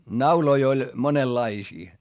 nauloja oli monenlaisia